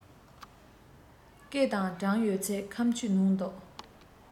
སྐེ དང བྲང ཡོད ཚད ཁམ ཆུས ནོག འདུག